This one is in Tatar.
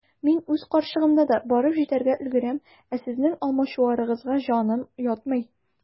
Мин үз карчыгымда да барып җитәргә өлгерәм, ә сезнең алмачуарыгызга җаным ятмый.